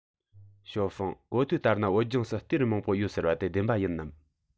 ཞའོ ཧྥུང གོ ཐོས ལྟར ན བོད ལྗོངས སུ གཏེར མང པོ ཡོད ཟེར བ དེ བདེན པ ཡིན ནམ